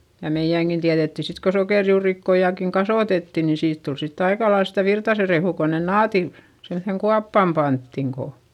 ja meidänkin tiedettiin sitten kun sokerijuurikkaitakin kasvatettiin niin siitä tuli sitten aika lailla sitä Virtasen rehua kun ne naatit semmoiseen kuoppaan pantiin kun